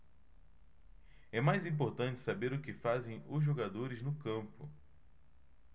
é mais importante saber o que fazem os jogadores no campo